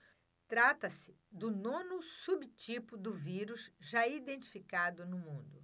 trata-se do nono subtipo do vírus já identificado no mundo